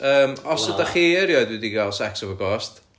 yym os ydach chi erioed wedi ca'l secs efo ghost